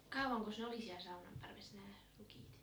kauankos ne oli siellä saunanparvessa nämä rukiit